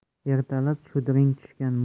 ertalab shudring tushgan